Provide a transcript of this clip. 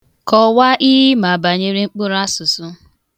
Kọwaa ihe ịma banyere mkpụrụasụsụ.